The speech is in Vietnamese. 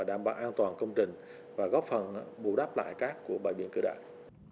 đảm bảo an toàn công trình và góp phần bù đắp lại cát của bãi biển cửa đại